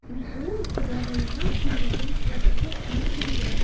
Үзе ул кодагыеның күлмәген сорап торып киеп килгән.